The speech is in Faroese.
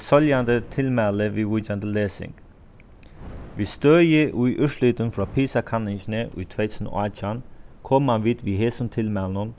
er tilmæli viðvíkjandi lesing við støði í úrslitum frá pisa-kanningini í tvey túsund og átjan koma vit við hesum tilmælinum